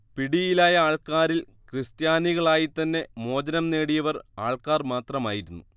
പിടിയിലായ ആൾക്കാരിൽ ക്രിസ്ത്യാനികളായിത്തന്നെ മോചനം നേടിയവർ ആൾക്കാർ മാത്രമായിരുന്നു